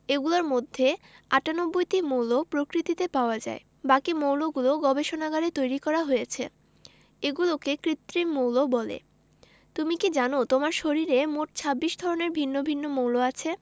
এগুলোর মধ্যে ৯৮টি মৌল প্রকৃতিতে পাওয়া যায় বাকি মৌলগুলো গবেষণাগারে তৈরি করা হয়েছে এগুলোকে কৃত্রিম মৌল বলে তুমি কি জানো তোমার শরীরে মোট ২৬ ধরনের ভিন্ন ভিন্ন মৌল আছে